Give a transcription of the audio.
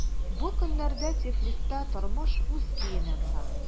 Бу көннәрдә Тифлиста тормыш үз көенә бара.